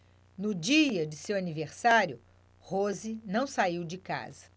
no dia de seu aniversário rose não saiu de casa